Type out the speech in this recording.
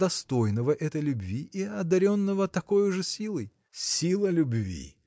достойного этой любви и одаренного такою же силой. – Сила любви!